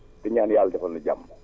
di ñaan yàlla defal ñu jàmm